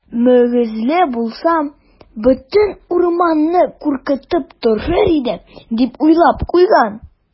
Мөгезле булсам, бөтен урманны куркытып торыр идем, - дип уйлап куйган.